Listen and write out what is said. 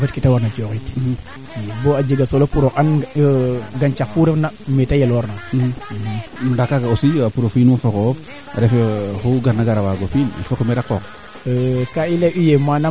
axa areer a kaana o duufin no kam ndaq ne wala o duufin no kam joor fee awaa ñako jamb ndax keene aussi bo ndiik no choix de la parcelle nuun fa qoox nuun nu naange njega probleme nan nen keene